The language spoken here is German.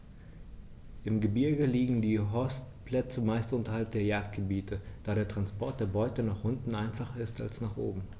Im Gebirge liegen die Horstplätze meist unterhalb der Jagdgebiete, da der Transport der Beute nach unten einfacher ist als nach oben.